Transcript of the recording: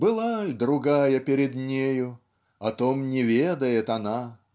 Была ль другая перед нею - О том не ведает она.